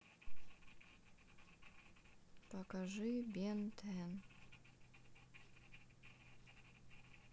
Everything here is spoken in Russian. покажи бен тен